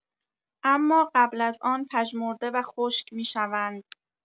اما قبل از آن پژمرده و خشک می‌شوند.